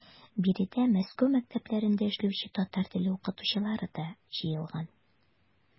Биредә Мәскәү мәктәпләрендә эшләүче татар телле укытучылар да җыелган.